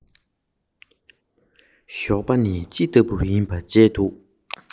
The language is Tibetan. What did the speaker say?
ཡང ཡང བྱས ཀྱང བར མཚམས མེད པར ངུས